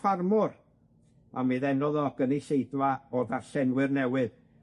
ffarmwr, a mi ddenodd o gynulleidfa o ddarllenwyr newydd.